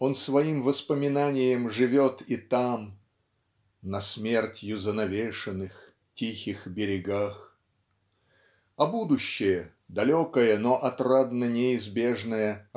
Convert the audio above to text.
он своим воспоминанием живет и там "на смертью занавешенных тихих берегах". А будущее далекое но отрадно-неизбежное